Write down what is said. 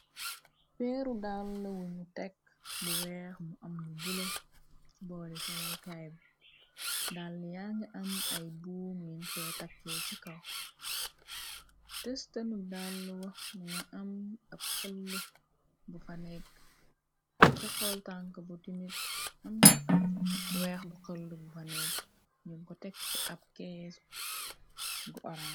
peeru dàll wuñu tekk bu weex mu am nu bula ci booli soloy kaay bi dal yang am ay buu ngin koy takkee ci kaw testanu dal wa mnga am ab xël bu fanekk ca xol tank bu timit am na ab weex bu xël bu fanekk ni go tek ci ab kées gu horan